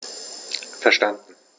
Verstanden.